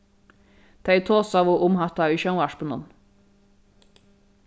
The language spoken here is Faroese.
tey tosaðu um hatta í sjónvarpinum